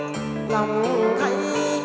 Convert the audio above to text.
lòng